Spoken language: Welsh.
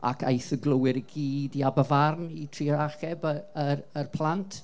ac aeth y glowyr i gyd i Aberfan i trio achub y yr yr plant.